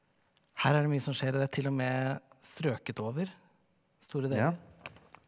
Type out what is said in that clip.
her er det mye som skjer og det er t.o.m. strøket over store deler.